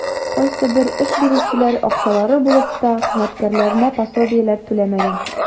Кайсыбер эш бирүчеләр, акчалары булып та, хезмәткәрләренә пособиеләр түләмәгән.